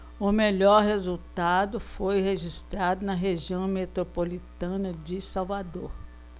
o melhor resultado foi registrado na região metropolitana de salvador